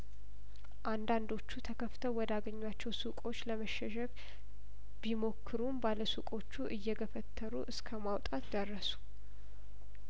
አንዳንዶቹ ተከፍተው ወዳገኙዋቸው ሱቆች ለመሸሸግ ቢሞክሩም ባለሱቆቹ እየገፈተሩ እስከ ማውጣት ደረሱ